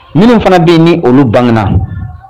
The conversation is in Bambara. Minnu fana bɛ ni olu bangna